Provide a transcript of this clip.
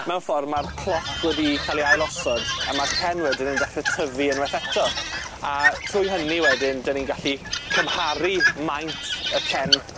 Mewn ffor ma'r cloc wedi ca'l ei ailosod a ma'r cen wedyn yn dechre tyfu unwaith eto a trwy hynny wedyn, 'dyn ni'n gallu cymharu maint y cen